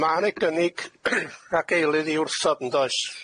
Ond ma' ne gynnig ag eilydd i wrthod yndoes?